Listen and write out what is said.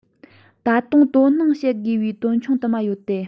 ད དུང དོ སྣང བགྱི དགོས པའི དོན ཆུང དུ མ ཡོད དེ